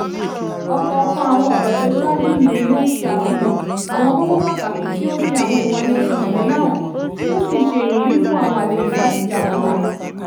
Ọ̀kọọ̀kan àwọn ọ̀rọ̀ tó ṣáájú yìí ni ó ń ṣàfihàn àwọn kókó pàtàkì tí ó ń fi àwọn ìwà Nelson Mandela hàn tí ó sì ń ṣe ìwúrí fún àwọn àlejò láti já kúnra.